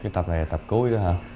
cái tập này là tập cuối đó hả